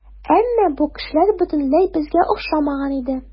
Әмма бу кешеләр бөтенләй безгә охшамаган иде.